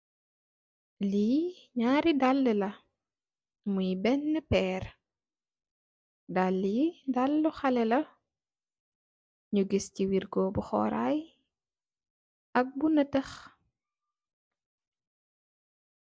Li naari daala moi bena perr daala yi daali xale la nyu gis si wergo bu xoray ak lu neteh.